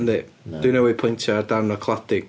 Yndi... Na ...Dwi newydd pwyntio ar darn o cladding.